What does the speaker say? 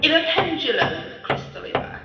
Ife pendulum crystal yw e?